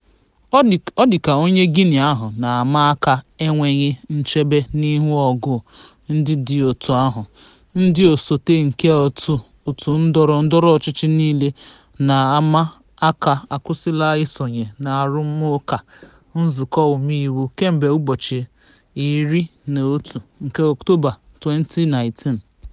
Ọ dị ka onye Guinea ahụ na-ama aka enweghị nchebe n'ihu ọgụ ndị dị otu ahụ: ndị osote nke òtù ndọrọ ndọrọ ọchịchị niile na-ama aka akwụsịla isonye n'arụmụka nzukọ omeiwu kemgbe ụbọchị 11 nke Ọktoba, 2019.